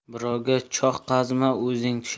birovga choh qazima o'zing tusharsan